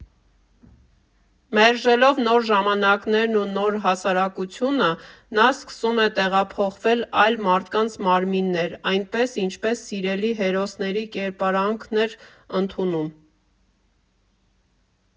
Մերժելով նոր ժամանակներն ու նոր հասարակությունը, նա սկսում է տեղափոխվել այլ մարդկանց մարմիններ, այնպես, ինչպես սիրելի հերոսների կերպարանքն էր ընդունում։